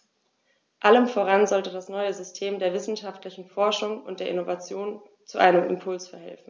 Allem voran sollte das neue System der wissenschaftlichen Forschung und der Innovation zu einem Impuls verhelfen.